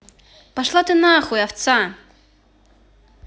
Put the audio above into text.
пошла ты нахуй овца